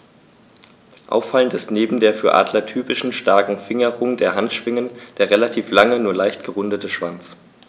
Auffallend ist neben der für Adler typischen starken Fingerung der Handschwingen der relativ lange, nur leicht gerundete Schwanz.